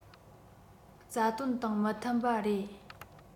རྩ དོན དང མི མཐུན པ རེད